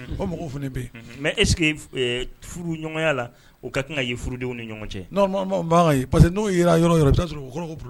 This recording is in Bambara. Ko mɔgɔw fana bɛ yen mɛ e sigi furu ɲɔgɔnya la u ka kan ka ye furudenw ni ɲɔgɔn cɛ n''a ye parce que n'o jira yɔrɔ